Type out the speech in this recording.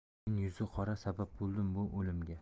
men yuzi qora sabab bo'ldim bu o'limga